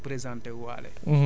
présenté wu le waale